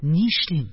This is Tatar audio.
Ни эшлим?